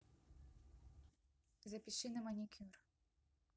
запиши на маникюр